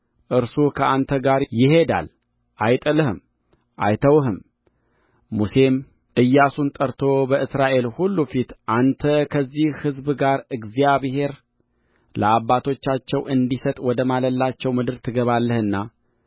እርሱ ከአንተ ጋር ይሄዳል አይጥልህም አይተውህም ሙሴም ኢያሱን ጠርቶ በእስራኤል ሁሉ ፊት አንተ ከዚህ ሕዝብ ጋር እግዚአብሔር ለአባቶቻቸው እንዲሰጥ ወደ ማለላቸው ምድር ትገባለህና